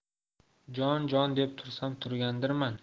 jon jon deb tursam turgandirman